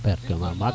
perte ma maak